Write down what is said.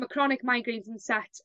ma' chronic migraines yn set